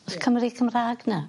Os Cymry Cymra'g 'na?